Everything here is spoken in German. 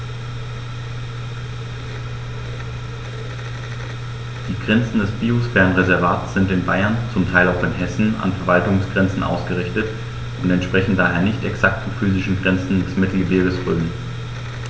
Die Grenzen des Biosphärenreservates sind in Bayern, zum Teil auch in Hessen, an Verwaltungsgrenzen ausgerichtet und entsprechen daher nicht exakten physischen Grenzen des Mittelgebirges Rhön.